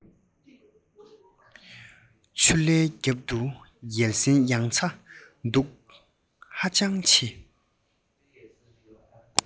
ཆུ ལྷའི རྒྱབ ཏུ ཡལ ཟིན ཡང ཚ གདུག ཧ ཅང ཆེ